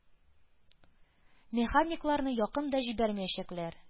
Механикларны якын да җибәрмәячәкләр.